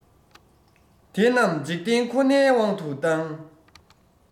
དེ རྣམས འཇིག རྟེན ཁོ ནའི དབང དུ བཏང